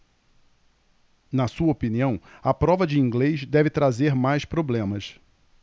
na sua opinião a prova de inglês deve trazer mais problemas